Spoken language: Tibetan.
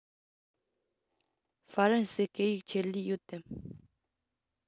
ཧྥ རན སིའི སྐད ཡིག ཆེད ལས ཡོད དམ